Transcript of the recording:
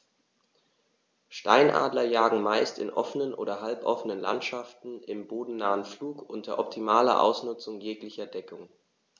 Steinadler jagen meist in offenen oder halboffenen Landschaften im bodennahen Flug unter optimaler Ausnutzung jeglicher Deckung.